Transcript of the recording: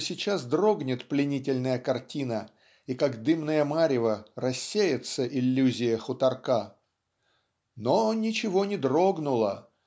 что сейчас дрогнет пленительная картина и как дымное марево рассеется иллюзия хуторка. Но ничего не дрогнуло